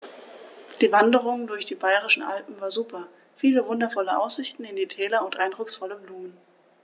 Die Wanderungen durch die Bayerischen Alpen waren super. Viele wundervolle Aussichten in die Täler und eindrucksvolle Blumen.